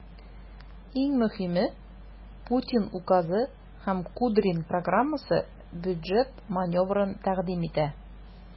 Иң мөһиме, Путин указы һәм Кудрин программасы бюджет маневрын тәкъдим итә.